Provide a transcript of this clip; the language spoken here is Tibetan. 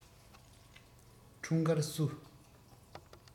འཁྲུངས སྐར བསུ